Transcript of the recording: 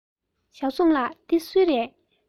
ཞའོ སུང ལགས འདི ཚོ སུའི རེད